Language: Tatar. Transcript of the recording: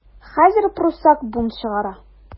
Хәзер пруссак бунт чыгара.